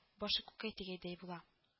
Башы күккә тигәдәй була